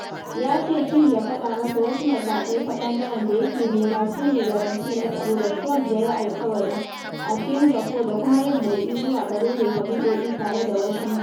Ya ce Kim ya faɗa masa "wasu matakai ta ɓangaren" da yake nema su ne garanti na tsaro da Trump ya yi alkawari a Singapore da kuma yin motsi zuwa ga daidaita hulɗoɗi tare da Washington.